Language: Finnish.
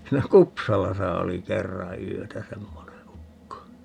siinä Kupsalassa oli kerran yötä semmoinen ukko